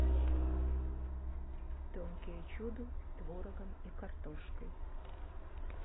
тонкие чуду с творогом и картошкой